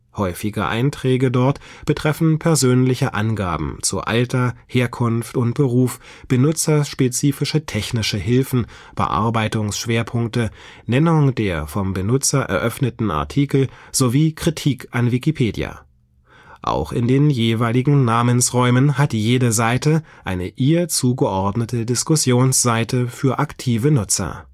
Häufige Einträge dort betreffen persönliche Angaben zu Alter, Herkunft und Beruf, benutzerspezifische technische Hilfen, Bearbeitungsschwerpunkte, Nennung der vom Benutzer eröffneten Artikel sowie Kritik an Wikipedia. Auch in den jeweiligen Namensräumen hat jede Seite eine ihr zugeordnete Diskussionsseite für aktive Nutzer